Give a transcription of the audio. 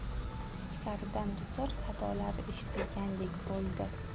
ichkaridan dutor sadolari eshitilgandek bo'ldi